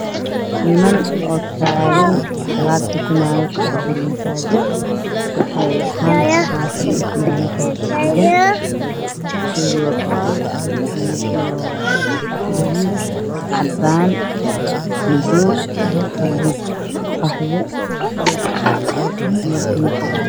Niman masaajid dhex taagan oo tukanaayo